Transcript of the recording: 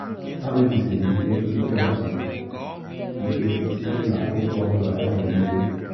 “Ha kpebisiri ike iweghachi ike site n’ụzọ ọ bụla enwere ike.